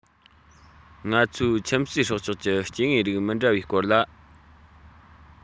ང ཚོའི ཁྱིམ གསོས སྲོག ཆགས ཀྱི སྐྱེ དངོས རིགས མི འདྲ བའི སྐོར ལ